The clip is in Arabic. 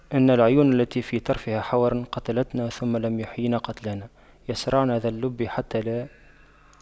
إن العيون التي في طرفها حور قتلننا ثم لم يحيين قتلانا يَصرَعْنَ ذا اللب حتى لا